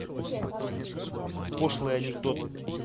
пошлые анекдоты